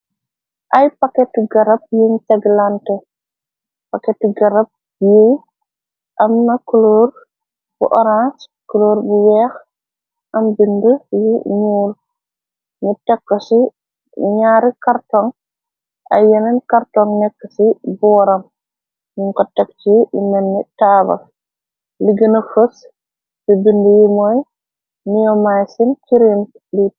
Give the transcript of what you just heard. Ay paketi garab yiñ teg lante , paketi garab yiy am na coloor bu orange, coloor bu weex am bind yi ñuul, ñi tekko ci ñaari kartong ay yeneen kartong nekk ci booram, ñuñ ko teg ci inenni taabul, li gina fës ti bind yi mooy neomay sin cirin diit.